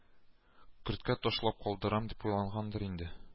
Көрткә ташлап калдырам, дип уйлагандыр инде